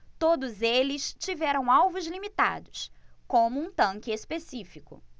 todos eles tiveram alvos limitados como um tanque específico